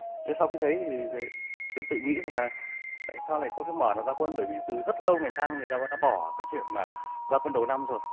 sau khi thấy thì tôi tự nghĩ rằng là tại sao lại có cái mỏ ra quân bởi vì từ rất lâu ngành than người ta đã bỏ cái chuyện mà ra quân đầu năm rồi